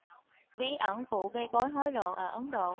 bí ẩn vụ bê bối hối lộ ở ấn độ